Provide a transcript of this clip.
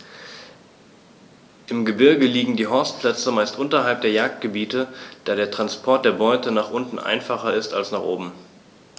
Im Gebirge liegen die Horstplätze meist unterhalb der Jagdgebiete, da der Transport der Beute nach unten einfacher ist als nach oben.